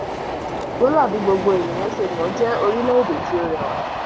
Angola, bí gbogbo ènìyàn ṣe mọ̀, jẹ́ orílẹ̀-èdè tí ó rẹwà.